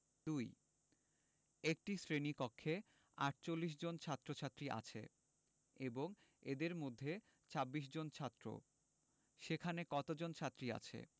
২ একটি শ্রেণি কক্ষে ৪৮ জন ছাত্ৰ-ছাত্ৰী আছে এবং এদের মধ্যে ২৬ জন ছাত্র সেখানে কতজন ছাত্রী আছে